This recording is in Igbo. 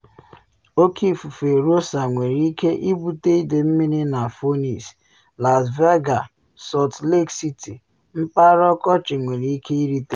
Oke Ifufe Rosa Nwere Ike Ibute Ide Mmiri na Phoenix, Las Vega, Salt Lake City (Mpaghara Ọkọchị Nwere Ike Irite)